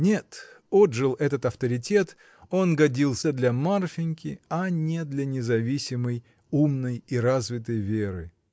Нет, отжил этот авторитет: он годился для Марфиньки, а не для независимой, умной и развитой Веры.